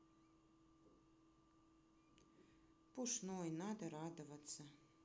пушной надо радоваться